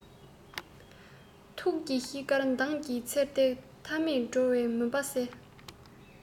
ཐུགས ཀྱི ཤེལ དཀར མདངས ཀྱིས འཚེར ཏེ མཐའ མེད འགྲོ བའི མུན པ བསལ